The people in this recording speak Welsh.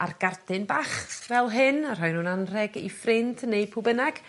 ar gardyn bach fel hyn a rhoi nw'n anrheg i ffrind ne' pw bynnag